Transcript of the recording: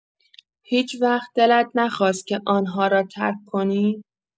هیچ‌وقت دلت نخواست که آن‌ها را ترک کنی؟